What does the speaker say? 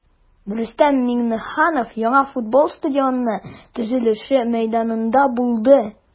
Рөстәм Миңнеханов яңа футбол стадионы төзелеше мәйданында булды.